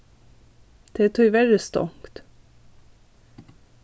tað er tíverri stongt